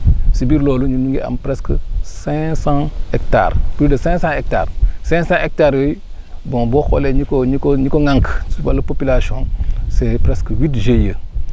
si biir loolu ñun ñu ngi am presque cinq cent hectares plus de cinq cent hectares cinq cent hectares yooyu bon boo xoolee ñi ko ñi ko ñi ko ŋànk si wàllu population c' est presque huit GIE